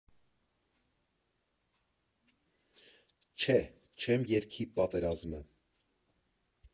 Չէ, չեմ երգի պատերազմը…